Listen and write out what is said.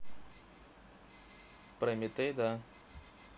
прометей да